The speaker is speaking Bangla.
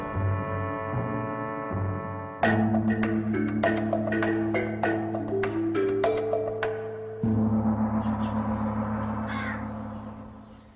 music